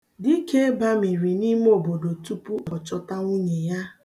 Dike bamiri n'ime obodo tupu ọ chọta nwunye ya.